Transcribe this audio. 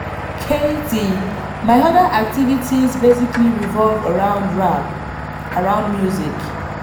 Keyti : My other activities basically revolve around rap, around music.